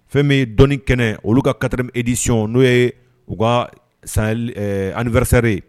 Fɛn min ye dɔɔni kɛnɛ ye olu ka 4 édition no ye u ka anniversaire ye